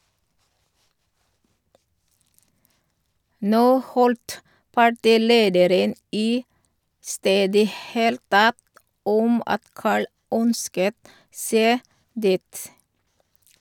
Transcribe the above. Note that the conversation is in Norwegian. - Nå holdt partilederen i stedet helt tett om at Carl ønsket seg dit.